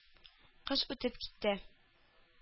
Кыш үтеп китте.